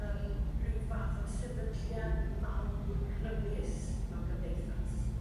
yym rhyw fath o sefydliad mawr grymus mewn cymdeithas.